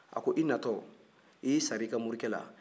a ko e natɔ i y'i sara i ka morikɛ la